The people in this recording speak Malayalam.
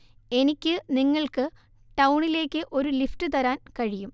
എനിക്ക് നിങ്ങൾക്ക് ടൌണിലേക്ക് ഒരു ലിഫ്റ്റ് തരാൻ കഴിയും